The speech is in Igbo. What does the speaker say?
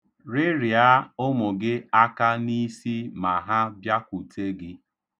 Rịrịa ụmụ gị aka n'isi ma ha bịakwute gị.